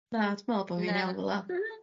Na dwi'n me'wl bo' fi'n iawn fel 'a.